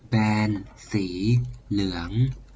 แบนสีเหลือง